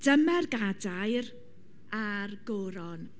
Dyma'r gadair a'r goron.